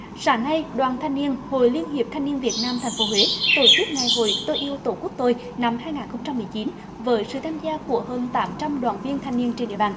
sáng nay đoàn thanh niên hội liên hiệp thanh niên việt nam thành phố huế tổ chức ngày hội tôi yêu tổ quốc tôi năm hai ngàn không trăm mười chín với sự tham gia của hơn tám trăm đoàn viên thanh niên trên địa bàn